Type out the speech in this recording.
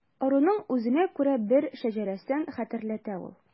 Ыруның үзенә күрә бер шәҗәрәсен хәтерләтә ул.